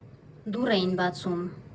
Դուռ էին բացում։